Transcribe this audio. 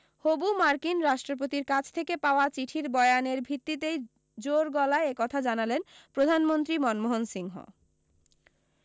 হবু মার্কিন রাষ্ট্রপতির কাছ থেকে পাওয়া চিঠির বয়ানের ভিত্তিতেই জোর গলায় একথা জানালেন প্রধানমন্ত্রী মনমোহন সিংহ